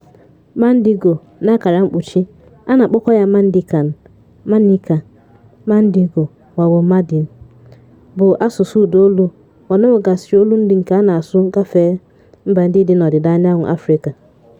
Mandingo( a na-akpọkwa ya Mandenkan, Manịnka, Mandingo, ma ọ bụ Mandin) bụ asụsụ ụdaolu mana o nwegasịrị olundị nke a na-asụ gafee mba ndị dị n'Ọdịda Anyanwu Afrịka.